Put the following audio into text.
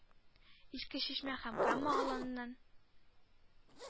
Иске Чишмә һәм Кама Аланыннан